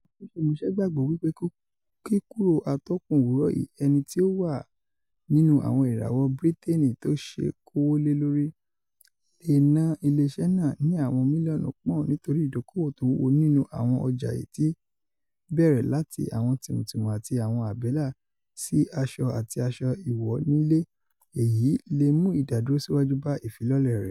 Àwọn akọ́ṣẹ́mọṣẹ́ gbàgbọ́ wipe kíkúrò atọ́kùn Òwúrọ̀ yìí, enití ó wà nínú àwọn ìràwọ̀ Briteeni tó ṣeé kówó lé lori, leè ná ilé-iṣẹ́ nàà ni àwọn mílíọ̀nụ̀ pọ́ùn nitori ìdókòwò tó wúwo nínú àwọn ọjà èyití tó bẹ̀rẹ̀ láti àwọn tìmù-tìmu àti àwọn àbẹ́là sí asọ àti asọ íwọ́ nílé, èyíì le mú ìdádúró siwaju bá ìfilọ́lẹ̀ rẹ̀.